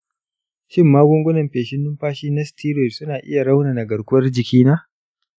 shin magungunan feshin numfashi na steroid suna iya raunana garkuwar jikina?